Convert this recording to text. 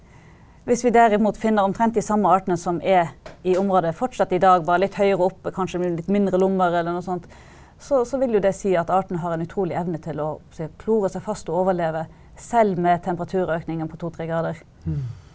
hvis vi derimot finner omtrent de samme artene som er i området fortsatt i dag, bare litt høyere oppe kanskje i litt mindre lommer eller noe sånt, så så vil jo det si at artene har en utrolig evne til å klore seg fast og overleve selv med temperaturøkningen på to tre grader.